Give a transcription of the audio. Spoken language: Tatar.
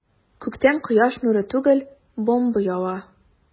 Күктән кояш нуры түгел, бомба ява.